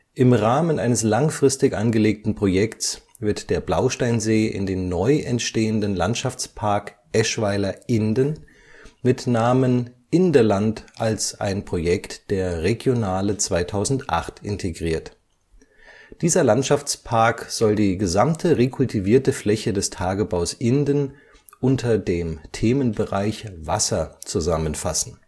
Im Rahmen eines langfristig angelegten Projekts wird der Blausteinsee in den neu entstehenden Landschaftspark Eschweiler/Inden mit Namen Indeland als ein Projekt der EuRegionale 2008 integriert. Dieser Landschaftspark soll die gesamte rekultivierte Fläche des Tagebaus Inden unter dem Themenbereich Wasser zusammenfassen